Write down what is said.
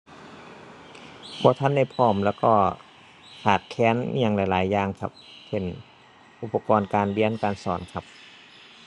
บ่ทันได้พร้อม แล้วก็คลาดแคลนอิหยังหลายหลายอย่างครับ เช่น อุปกรณ์การเรียนการสอนครับ